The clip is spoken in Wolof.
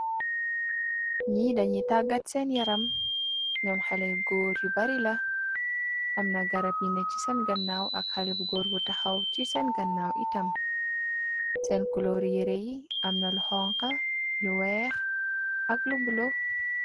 Njee deh nju tagat sehn yaram, njom haleh yu gorre yu bari la, amna garab yu neh chi sehn ganaw ak haleh bu gorre bu takhaw chi sehn ganawi tam, sehn couleur rii yehreh yii amna lu honha, lu wekh ak lu bleu.